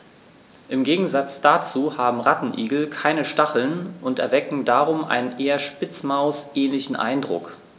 Im Gegensatz dazu haben Rattenigel keine Stacheln und erwecken darum einen eher Spitzmaus-ähnlichen Eindruck.